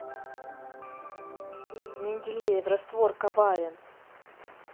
менделеев раствор коварен